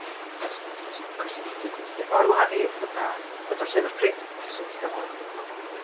Ond do'n i'm yn gallu ffeindio gwendidau. O, ar wahân ei fod o'n llyfr prin, does 'na ddim digon ohonyn nhw ia.